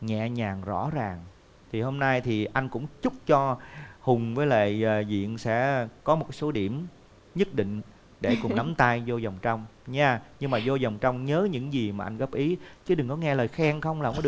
nhẹ nhàng rõ ràng thì hôm nay thì anh cũng chúc cho hùng với lại diện sẽ có một số điểm nhất định để cùng nắm tay dô vòng trong nha nhưng mà dô vòng trong nhớ những gì mà anh góp ý chứ đừng có nghe lời khen không là không